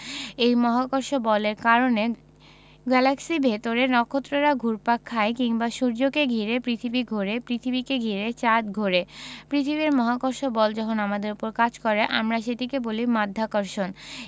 এই মহাকর্ষ বলের কারণে গ্যালাক্সির ভেতরে নক্ষত্ররা ঘুরপাক খায় কিংবা সূর্যকে ঘিরে পৃথিবী ঘোরে পৃথিবীকে ঘিরে চাঁদ ঘোরে পৃথিবীর মহাকর্ষ বল যখন আমাদের ওপর কাজ করে আমরা সেটাকে বলি মাধ্যাকর্ষণ